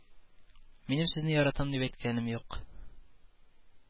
Минем сезне яратам дип әйткәнем юк